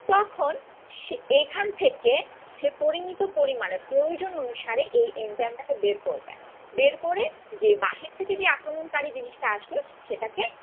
তখন এখান থেকে সে পরিমিত পরিমাণে প্রয়োজন অনুসারে এই এনজাইম টা কে বের করবে বের করে যে বাহির থেকে যে আক্রমনকারী জিনিসটা আসলো সেটাকে